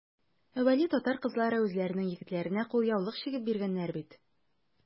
Әүвәле татар кызлары үзләренең егетләренә кулъяулык чигеп биргәннәр бит.